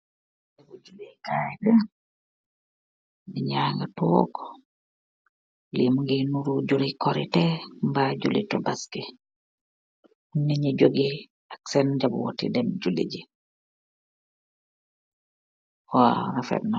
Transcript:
Li julleh kai laah , neet yakeeh toog , li mukeh duruh juleh koriteh ba juleh tobaski , neet ti jokeh ak senn joborteh deem juleyjeh waaw refet na.